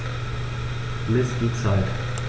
Miss die Zeit.